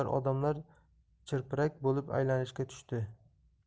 odamlar chirpirak bo'lib aylanishga tushdi